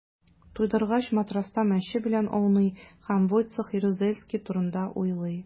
Туйдыргач, матраста мәче белән ауный һәм Войцех Ярузельский турында уйлый.